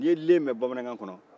n'i le mɛn bamanan kɔnɔ